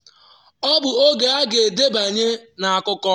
“Ọ bụ oge a ga-edebanye na akụkọ.”